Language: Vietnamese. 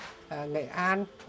à nghệ an